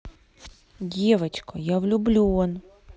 девочка я влюблен